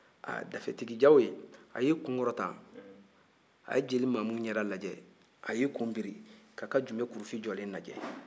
ha dafetigi jawoyi a ye i kun kɔrɔta a ye jeli mamu ɲɛda lajɛ a y'i kun biri k'a ka jube kurufin jɔlen lajɛ